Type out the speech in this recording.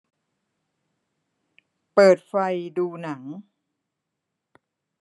เปิดไฟดูหนัง